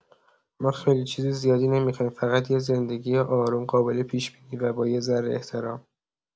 ما خیلی چیز زیادی نمی‌خوایم، فقط یه زندگی آروم، قابل پیش‌بینی و با یه ذره احترام.